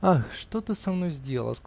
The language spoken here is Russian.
-- Ах, что ты со мной сделала!